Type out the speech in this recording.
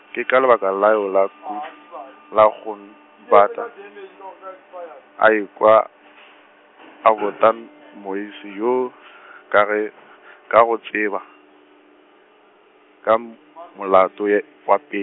ke ka lebaka leo la ku-, la go bata, a ekwa , a bota m-, moifi-, yoo ka ge , ka go tseba, ka m- molato ye, wa pe-.